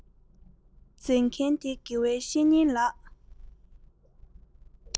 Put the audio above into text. མཛད མཁན དེ དགེ བའི བཤེས གཉེན ལགས